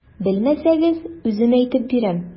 Белмәссез, үзем әйтеп бирәм.